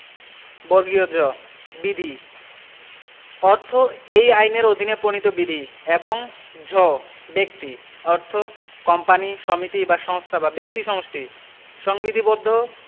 জ বিধি অর্থ এই আইনের অধীন প্রণীত বিধি এবং ঝ ব্যক্তি অর্থ কোম্পানী সমিতি বা সংস্থা বা ব্যক্তি সমষ্টি সংবিধিবদ্ধ